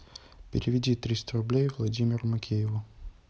переведи триста рублей владимиру макееву